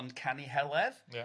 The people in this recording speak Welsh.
ond canu heledd... Ia...